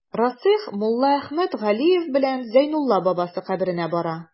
Расих Муллаәхмәт Галиев белән Зәйнулла бабасы каберенә бара.